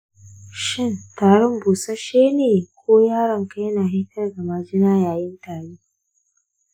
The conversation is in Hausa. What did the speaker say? shin tarin busasshe ne, ko yaronka yana fitar da majina yayin tari?